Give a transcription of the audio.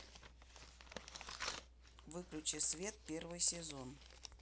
выключи свет первый сезон